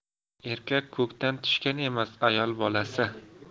erkak ko'kdan tushgan emas ayol bolasi